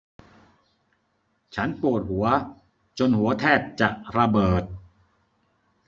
ฉันปวดหัวจนหัวแทบจะระเบิด